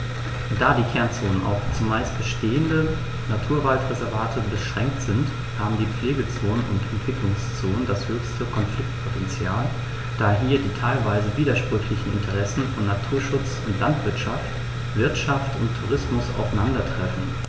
Da die Kernzonen auf – zumeist bestehende – Naturwaldreservate beschränkt sind, haben die Pflegezonen und Entwicklungszonen das höchste Konfliktpotential, da hier die teilweise widersprüchlichen Interessen von Naturschutz und Landwirtschaft, Wirtschaft und Tourismus aufeinandertreffen.